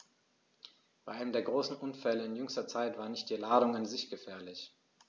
Bei einem der großen Unfälle in jüngster Zeit war nicht die Ladung an sich gefährlich.